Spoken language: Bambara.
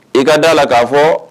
I ka da a la k'a fɔ